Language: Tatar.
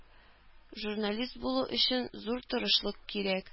Журналист булу өчен зур тырышлык кирәк.